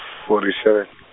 f- forty seven.